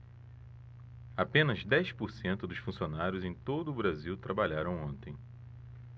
apenas dez por cento dos funcionários em todo brasil trabalharam ontem